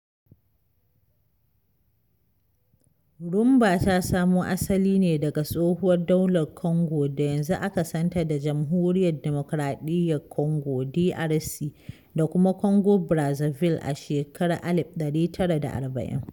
Rhumba ta samo asali ne daga tsohuwar daular Kongo da yanzu aka san ta da Jamhuriyar Demokoraɗiyyar Kongo (DRC) da kuma Congo-Brazzaville a shekarar 1940.